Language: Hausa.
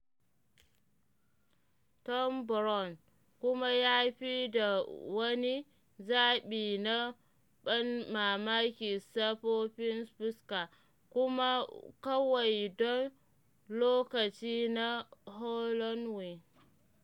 Thom Browne kuma ya fio da wani zaɓi na ban mamaki safofin fuska - kuma kawai don lokaci na Halloween.